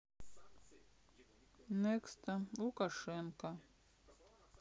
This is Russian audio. некста лукашенко